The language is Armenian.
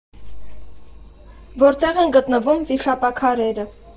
Որտեղ են գտնվում վիշապաքարերը։